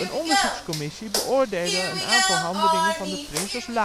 onderzoekscommissie beoordeelde een aantal handelingen van de prins